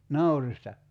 naurista